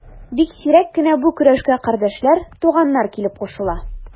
Бик сирәк кенә бу көрәшкә кардәшләр, туганнар килеп кушыла.